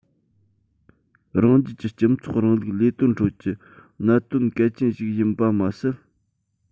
རང རྒྱལ གྱི སྤྱི ཚོགས རིང ལུགས ལས དོན ཁྲོད ཀྱི གནད དོན གལ ཆེན ཞིག ཡིན པ མ ཟད